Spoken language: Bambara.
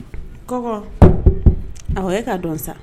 Kɔ a ye ka dɔn sa